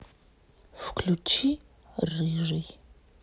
включи рыжий